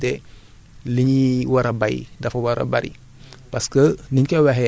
comme ni ñu koy waxee les terres sont inextensibles fi ñu yemoon rekk la ñu yem